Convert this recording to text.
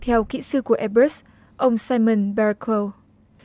theo kỹ sư của e bớt ông sai mừn ba ra câu